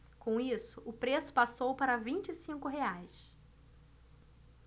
com isso o preço passou para vinte e cinco reais